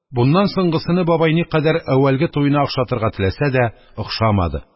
Буннан соңгысыны бабай никадәр әүвәлге туена охшатырга теләсә дә – охшамады: